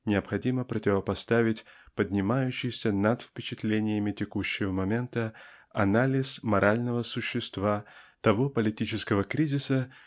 необходимо противопоставить подымающийся над впечатлениями текущего момента анализ морального существа того политического кризиса